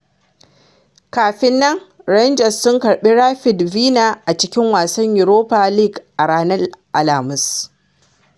Kafin nan, Rangers sun karɓi Rapid Vienna a cikin wasan Europa League a ranar Alhamis.